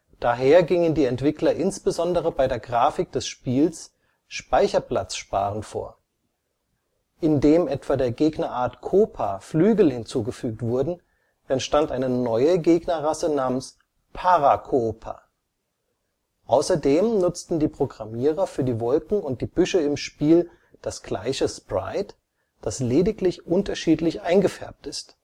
Daher gingen die Entwickler insbesondere bei der Grafik des Spiels speicherplatzsparend vor. Indem etwa der Gegnerart Koopa Flügel hinzugefügt wurden, entstand eine neue Gegnerrasse namens Parakoopa. Außerdem nutzten die Programmierer für die Wolken und die Büsche im Spiel das gleiche Sprite, das lediglich unterschiedlich eingefärbt ist